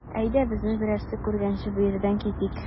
Әйдә, безне берәрсе күргәнче биредән китик.